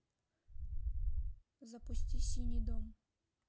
запусти синий дом